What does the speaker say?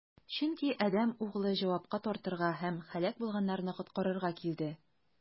Чөнки Адәм Углы җавапка тартырга һәм һәлак булганнарны коткарырга килде.